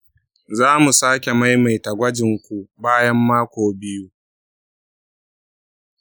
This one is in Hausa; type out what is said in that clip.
zamu sake maimaita gwajinku bayan mako biyu